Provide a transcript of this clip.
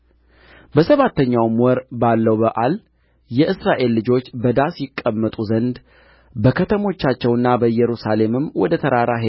በሰባተኛውም ወር ባለው በዓል የእስራኤል ልጆች በዳስ ይቀመጡ ዘንድ በከተሞቻቸውና በኢየሩሳሌምም ወደ ተራራ